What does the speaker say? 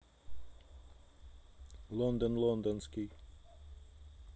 лондон лондонский